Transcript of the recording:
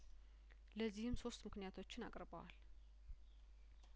ለዚህም ሶስት ምክንያቶችን አቅርበዋል